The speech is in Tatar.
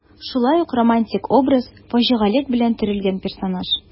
Шулай ук романтик образ, фаҗигалек белән төрелгән персонаж.